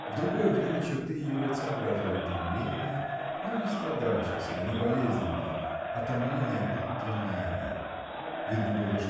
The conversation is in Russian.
В другое время черты ее лица выражали томление но не страдальческое не болезненное а томление будто неги. Видно было